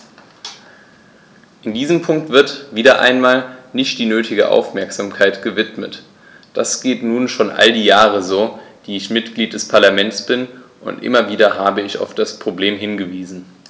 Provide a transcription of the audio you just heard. Diesem Punkt wird - wieder einmal - nicht die nötige Aufmerksamkeit gewidmet: Das geht nun schon all die fünf Jahre so, die ich Mitglied des Parlaments bin, und immer wieder habe ich auf das Problem hingewiesen.